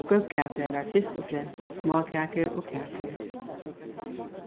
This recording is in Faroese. og góðgætið var fyrst og fremst smákakur og kakur